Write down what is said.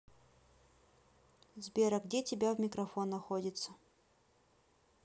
сбер а где тебя в микрофон находится